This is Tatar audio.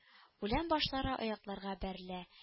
Үлән башлары аякларга бәрелә